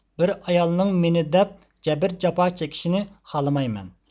بىر ئايالنىڭ مېنى دەپ جەبىر جاپا چېكىشىنى خالىمايمەن